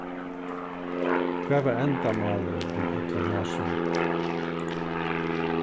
hvat var endamálið við øllum hasum